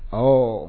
Awɔɔ